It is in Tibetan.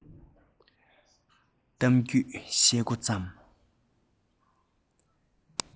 གཏམ རྒྱུད བཤད མགོ བརྩམས